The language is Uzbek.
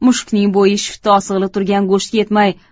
mushukning bo'yi shiftda osig'liq turgan go'shtga yetmay